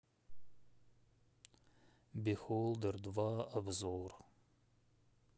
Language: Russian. бихолдер два обзор